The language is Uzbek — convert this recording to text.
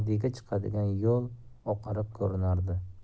chiqadigan joy oqarib ko'rinardi